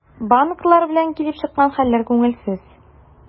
Банклар белән килеп чыккан хәлләр күңелсез.